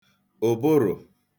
ụ̀bụrụ̀